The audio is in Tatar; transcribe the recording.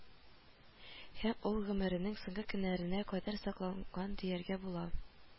Һәм ул гомеренең соңгы көннәренә кадәр сакланган дияргә була